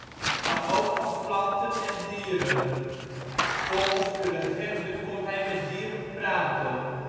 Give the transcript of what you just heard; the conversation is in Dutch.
planten en dieren. Volgens de legende kon hij met dieren praten